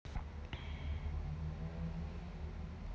какую то херню ты мне ничем никакой помощи не даешь